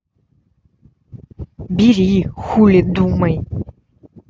бери хули думай